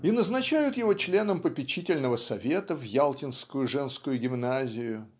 и назначают его членом попечительного совета в ялтинскую женскую гимназию